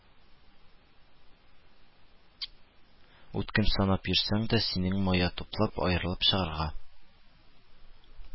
Үткен санап йөрсәң дә, синең мая туплап, аерылып чыгарга